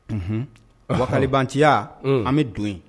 Unhun wa kalitiya an bɛ don yen